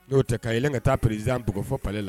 N'o k ka yelen ka taa perezanugfɔ falenle la